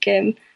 ag ymm